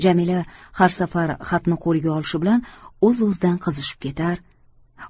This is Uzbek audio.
jamila har safar xatni qo'liga olishi bilan o'z o'zidan qizishib ketar